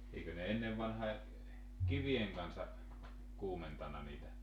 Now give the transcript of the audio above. eikö ne ennen vanhaan kivien kanssa kuumentanut niitä